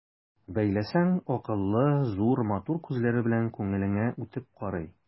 Бәйләсәң, акыллы, зур, матур күзләре белән күңелеңә үтеп карый.